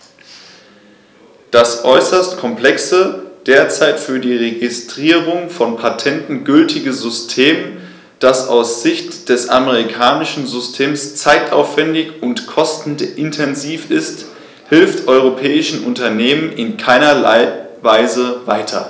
Das äußerst komplexe, derzeit für die Registrierung von Patenten gültige System, das aus Sicht des amerikanischen Systems zeitaufwändig und kostenintensiv ist, hilft europäischen Unternehmern in keinerlei Weise weiter.